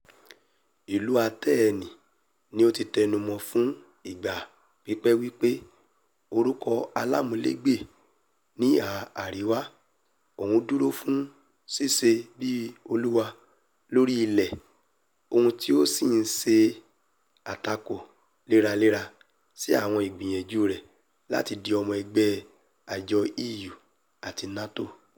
Ìlú Atẹẹni ni ó tí tẹnumọ́ fún ìgbà pipẹ wípé orúkọ aláàmúlégbè ní ìhà àríwá òun dúró fun ṣíṣe bi olúwa lóri ilẹ òun tí ó sì ń ṣe àtakò léra-léra sí àwọn ìgbìyànjú rẹ láti di ọmọ ẹgbẹ́ àjọ EU àti NATO.